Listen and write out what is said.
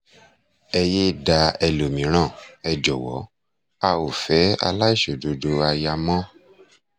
“Ẹ yé é da ẹlòmíràn, ẹ jọ̀wọ́ a ò fẹ́ aláìṣòdodo aya mọ́.